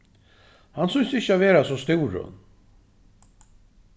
hann sýntist ikki at vera so stúrin